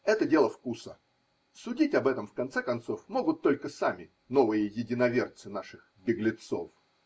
Это дело вкуса, судить об этом, в конце концов, могут только сами новые единоверцы наших беглецов.